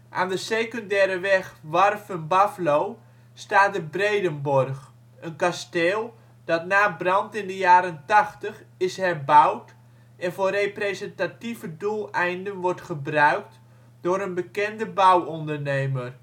Aan de secundaire weg Warffum-Baflo staat de Breedenborg, een kasteel, dat na brand in de jaren ' 80 is herbouwd en voor representatieve doeleinden wordt gebruikt door een bekende bouwondernemer